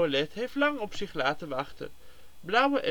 led heeft lang op zich laten wachten. Blauwe